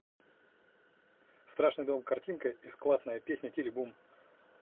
страшный дом картинка из классная песня тили бум